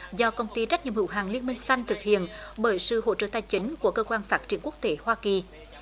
do công ty trách nhiệm hữu hạn liên minh xanh thực hiện bởi sự hỗ trợ tài chính của cơ quan phát triển quốc tế hoa kỳ